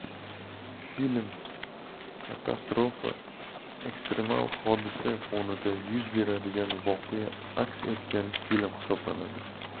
film katastrofa ekstremal hodisa fonida yuz beradigan voqea aks etgan film hisoblanadi